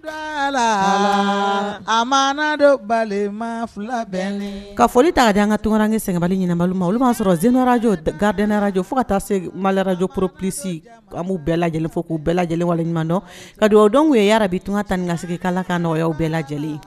Bala a ma dɔ bali ma fila ka foli ta'a di an ka tokarakɛ sɛgɛngabali ɲiniba ma olu b'a sɔrɔ senerajɔ gadyarara jɔ fo ka taa se malaj poro psimu bɛɛ lajɛlen fo k'u bɛɛ lajɛlen waleɲumandɔn ka dugawudenw'a bi tun ka tan kasigi k' ka nɔgɔya bɛɛ lajɛlen ye